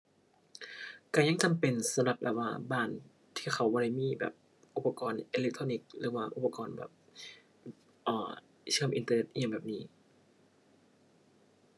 ก็ยังจำเป็นสำหรับแบบว่า บ้านที่เขาบ่ได้มีแบบอุปกรณ์อิเล็กทรอนิกส์หรือว่าอุปกรณ์แบบ เอ่อ เชื่อมอินเทอร์เน็ตอิหยังแบบนี้